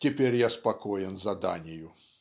Теперь я спокоен за Данию".